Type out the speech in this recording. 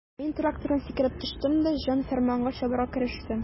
Мин трактордан сикереп төштем дә җан-фәрманга чабарга керештем.